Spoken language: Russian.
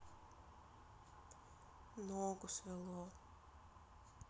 ногу свело